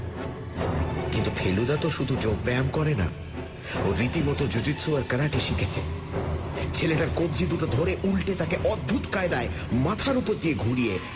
কিন্তু ফেলুদা তো শুধু যোগব্যায়াম করে না ও রীতিমতো যুযুৎসু আর কারাটে শিখেছে ছেলেটার কবজি দুটো ধরে উলটে তাকে অদ্ভুত কায়দায় মাথার উপর দিয়ে ঘুরিয়ে